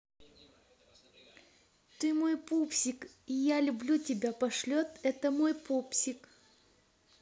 ты мой пупсик и люблю тебя пошлет это мой пупсик